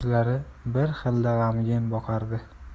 ko'zlari bir xilda g'amgin boqardi